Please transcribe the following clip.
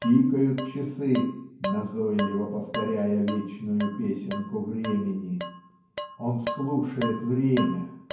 тикают часы, "назойливо повторяя вечную песенку времени". Он слушает время.